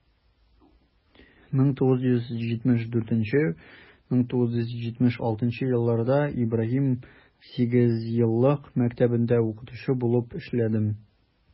1974 - 1976 елларда ибраһим сигезьеллык мәктәбендә укытучы булып эшләдем.